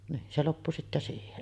niin se loppui sitten siihen